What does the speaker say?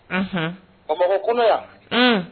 Unhun. Bamakɔ kɔnɔ yan. Un!